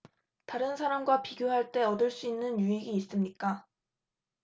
다른 사람과 비교할 때 얻을 수 있는 유익이 있습니까